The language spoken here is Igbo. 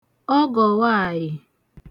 ọgọ̀ nwaayị̀